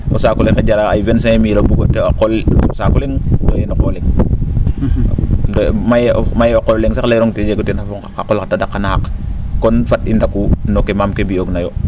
o saaku le jaraa ay 25 mille o bugo o qol o saaku le? doyee no qol le? mayee o qol le? sax leyiirong te jeg teen xa qol xa tandaq xa naxaq kon fat i ndaqu no kee maam ke mbiyooginayo